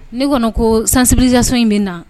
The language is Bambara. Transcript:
Ne kɔni ko sanbijanso in bɛ na